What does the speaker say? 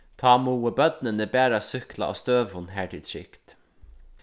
tá mugu børnini bara súkkla á støðum har tað er trygt